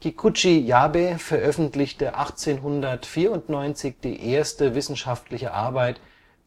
Kikuji Yabe veröffentlichte 1894 die erste wissenschaftliche Arbeit